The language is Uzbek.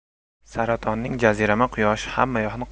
saratonning jazirama quyoshi